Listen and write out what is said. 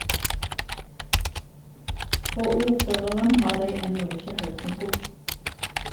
Frå ordføraren har dei enno ikkje høyrt noko.